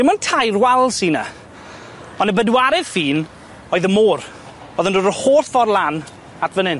Dim ond tair wal sy 'na, ond y bedwaredd ffin oedd y môr, o'dd yn dod yr holl ffor lan at fan hyn.